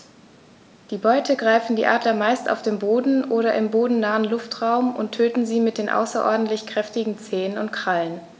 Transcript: Die Beute greifen die Adler meist auf dem Boden oder im bodennahen Luftraum und töten sie mit den außerordentlich kräftigen Zehen und Krallen.